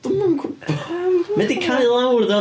Dwi'm yn gwybod. Mae o 'di cau lawr do.